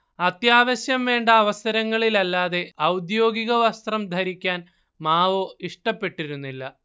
അത്യാവശ്യം വേണ്ട അവസരങ്ങളില്ലല്ലാതെ ഔദ്യോഗിക വസ്ത്രം ധരിക്കാൻ മാവോ ഇഷ്ടപ്പെട്ടിരുന്നില്ല